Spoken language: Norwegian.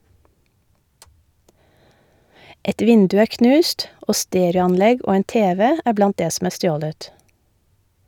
Et vindu er knust, og stereoanlegg og en tv er blant det som er stjålet.